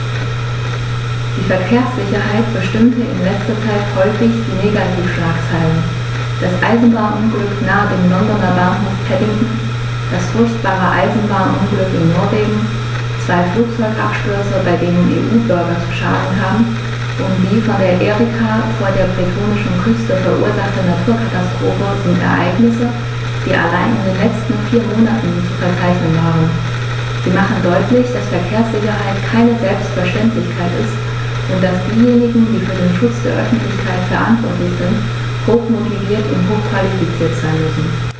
Die Verkehrssicherheit bestimmte in letzter Zeit häufig die Negativschlagzeilen: Das Eisenbahnunglück nahe dem Londoner Bahnhof Paddington, das furchtbare Eisenbahnunglück in Norwegen, zwei Flugzeugabstürze, bei denen EU-Bürger zu Schaden kamen, und die von der Erika vor der bretonischen Küste verursachte Naturkatastrophe sind Ereignisse, die allein in den letzten vier Monaten zu verzeichnen waren. Sie machen deutlich, dass Verkehrssicherheit keine Selbstverständlichkeit ist und dass diejenigen, die für den Schutz der Öffentlichkeit verantwortlich sind, hochmotiviert und hochqualifiziert sein müssen.